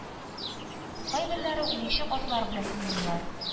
Кайберләре уенчык атлар белән уйныйлар.